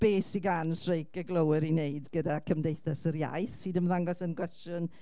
be sy gan streic y glôwyr i wneud gyda Cymdeithas yr Iaith, sydd ymddangos yn gwestiwn...